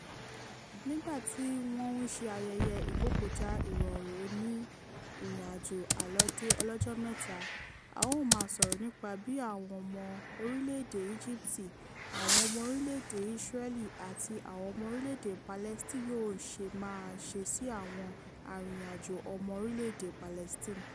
Nígbà tí wọ́n ń ṣe ayẹyẹ ìkógojá ìrọ̀rùn òní ìrìn àjò àlọdé ọlọ́jọ́ mẹ́ta, a ó maa sọ̀rọ̀ nípa bí àwọn ọmọ orílẹ̀ èdè Egypt, àwọn ọmọ orílẹ̀ and Israel àti àwọn ọmọ orílẹ̀ èdè Palestine yóò ṣe máa ṣe sí àwọn arìnrìn-àjò ọmọ orílẹ̀ èdè Palestine.